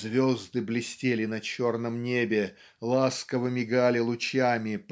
"Звезды блестели на черном небе ласково мигали лучами